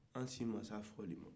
an si ma se a fɔli ma